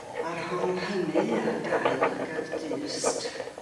A rhwng hynny a dau lygad dyst...